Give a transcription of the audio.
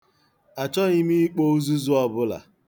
Achọghị ikpo uzuzu ọbụla.